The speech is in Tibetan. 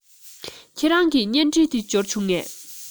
ཁྱེད རང གི བརྙན འཕྲིན དེ འབྱོར བྱུང ངས